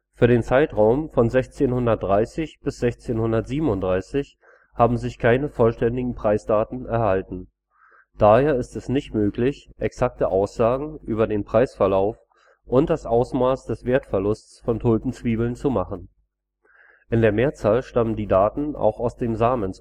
Für den Zeitraum von 1630 bis 1637 haben sich keine vollständigen Preisdaten erhalten. Daher ist es nicht möglich, exakte Aussagen über den Preisverlauf und das Ausmaß des Wertverlusts von Tulpenzwiebeln zu machen. In der Mehrzahl stammen die Daten auch aus dem Samen-Spraek